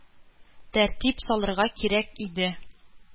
Тәртип салырга кирәк иде.